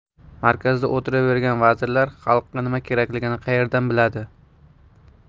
markazda o'tiravergan vazirlar xalqqa nima kerakligini qayerdan biladi